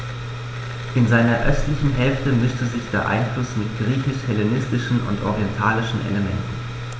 In seiner östlichen Hälfte mischte sich dieser Einfluss mit griechisch-hellenistischen und orientalischen Elementen.